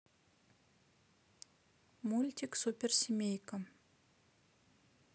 мультик супер семейка